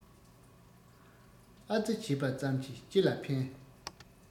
ཨ ཙི བྱས པ ཙམ གྱིས ཅི ལ ཕན